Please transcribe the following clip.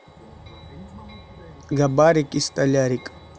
габарик и столярик